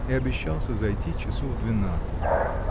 и обещался зайти часу в двенадцатом.